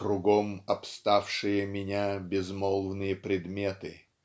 "Кругом обставшие меня безмолвные предметы